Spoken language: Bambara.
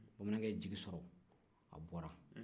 bamanankɛ ye jigi sɔrɔ a bɔra